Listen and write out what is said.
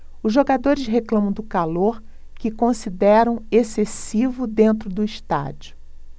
os jogadores reclamam do calor que consideram excessivo dentro do estádio